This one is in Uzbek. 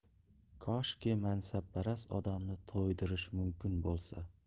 koshki mansabparast odamni to'ydirish mumkin bo'lsa